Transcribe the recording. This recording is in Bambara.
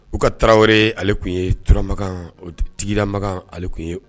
Uka Traoré ale tun ye Turamagan o t Tigiramagan ale kun ye